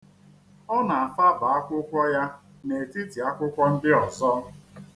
Ọ na-afaba akwụkwọ ya n'etiti akwụkwọ ndị ọzọ.